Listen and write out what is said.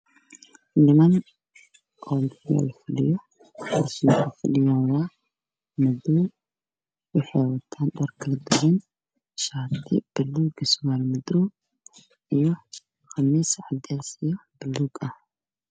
Waa ninman hool fadhiyo waxaa ayna ku fadhiyaan ku raas madow ah